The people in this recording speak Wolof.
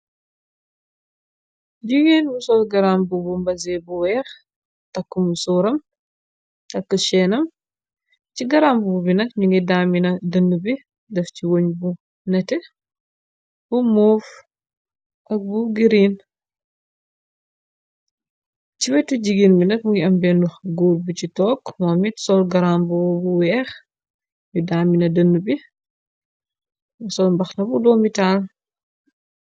jigeen bu sol garamb bu mbase bu weex takkumu sóoram takk sheenam ci garamb bu binat ñu ngi daamina dën bi daf ci woñ bu nete bu moof ak bu giriin ci wetu jigeen binat ngi am bendu góur bu ci tokk moo mit sol garamb bu weex yu daamina dën bi sol mbaxna bu doomitaal